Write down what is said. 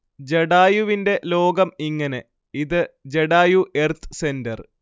ജടായുവിന്റെ ലോകം ഇങ്ങനെ. ഇത് ജടായു എർത്ത് സെന്റർ